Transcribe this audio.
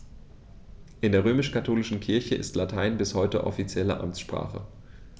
In der römisch-katholischen Kirche ist Latein bis heute offizielle Amtssprache.